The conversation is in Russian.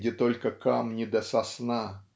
где только камни да сосна.